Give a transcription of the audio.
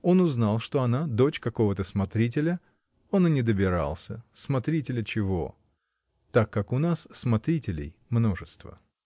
Он узнал, что она дочь какого-то смотрителя, он и не добирался — смотрителя чего, так как у нас смотрителей множество.